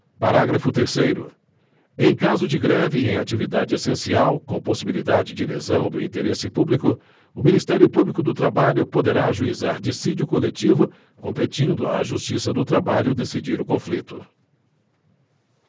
parágrafo terceiro em caso de greve em atividade essencial com possibilidade de lesão do interesse público o ministério público do trabalho poderá ajuizar dissídio coletivo competindo à justiça do trabalho decidir o conflito